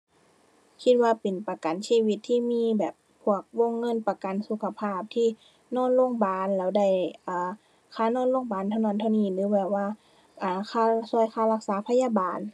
คิดว่าเป็นประกันชีวิตที่มีแบบพวกวงเงินประกันสุขภาพที่นอนโรงบาลแล้วได้ อ่า ค่านอนโรงบาลเท่านั้นเท่านี้หรือแบบว่า อ่า ค่าช่วยค่ารักษาพยาบาล